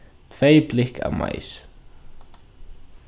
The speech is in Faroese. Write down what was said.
tvey blikk av mais